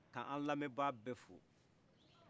k'an lamɛnba bɛfo